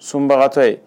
Sunbagatɔ ye